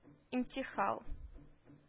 Имтихал